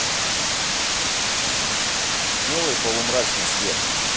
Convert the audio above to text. делай полумрачный свет